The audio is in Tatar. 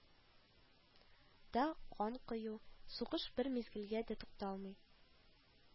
Да кан кою, сугыш бер мизгелгә дә тукталмый